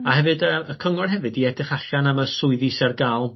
a hefyd yy y cyngor hefyd 'di edrych allan am y swyddi sy ar ga'l